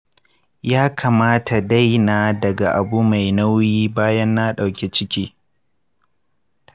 ya kamata daina daga abu mai nauyi bayan na dauki ciki